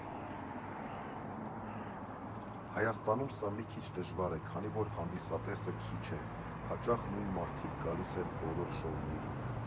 Հայաստանում սա մի քիչ դժվար է, քանի որ հանդիսատեսը քիչ է, հաճախ նույն մարդիկ գալիս են բոլոր շոուներին։